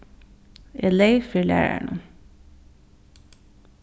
eg leyg fyri læraranum